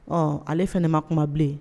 Ɔ ale fɛ ma kumabilen